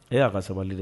Ee a ka sabali dɛ